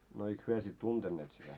no eikä he sitten tunteneet sitä